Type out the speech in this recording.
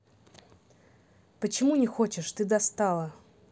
почему не хочешь ты достала